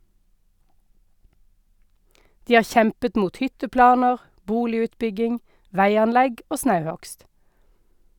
De har kjempet mot hytteplaner, boligutbygging, veianlegg og snauhugst.